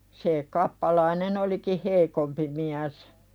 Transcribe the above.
se kappalainen olikin heikompi mies